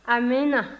amiina